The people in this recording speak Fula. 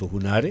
ɗo Hounare